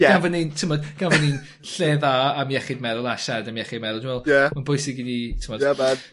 Ie. Gan bo' ni'n, t'mod, gan bo' ni'n lle dda am iechyd meddwl a siarad am iechyd meddwl dwi me'wl... Ie. ...mae'n bwysig i fi t'mod... Yeah man.